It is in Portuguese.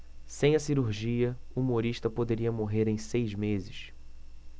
sem a cirurgia humorista poderia morrer em seis meses